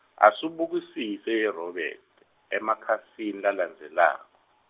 Asubukisise yeRobert, emakhasini lalandzelako.